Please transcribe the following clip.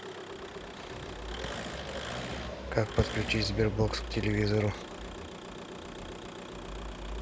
как подключить sberbox к телевизору